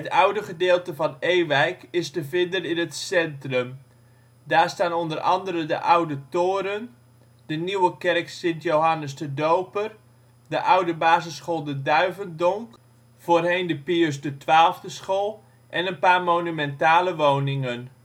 oude gedeelte van Ewijk is te vinden in het centrum; daar staan onder andere de oude Toren (zie foto), de nieuwe kerk Sint Johannes de Doper, de oude basisschool de Duivendonck (voorheen de Pius XII school) en een paar monumentale woningen